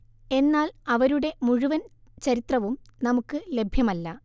എന്നാൽ അവരുടെ മുഴുവൻ ചരിത്രവും നമുക്ക് ലഭ്യമല്ല